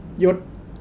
หยุด